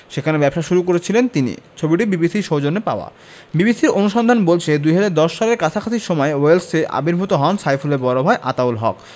সেখানে ব্যবসা শুরু করেছিলেন তিনি ছবিটি বিবিসির সৌজন্যে পাওয়া বিবিসির অনুসন্ধান বলছে ২০১০ সালের কাছাকাছি সময়ে ওয়েলসে আবির্ভূত হন সাইফুলের বড় ভাই আতাউল হক